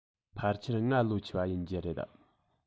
ཕལ ཆེར ང ལོ ཆེ བ ཡིན རྒྱུ རེད